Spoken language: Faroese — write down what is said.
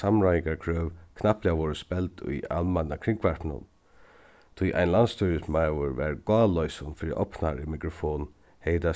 samráðingarkrøv knappliga vórðu spæld í almenna kringvarpinum tí ein landsstýrismaður var gáloysin fyri opnari mikrofon hevði tað